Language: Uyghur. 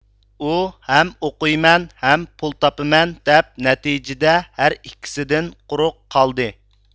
ئۇ ھەم ئوقۇيمەن ھەم پۇل تاپىمەن دەپ نەتىجىدە ھەر ئىككىسىدىن قۇرۇق قالدى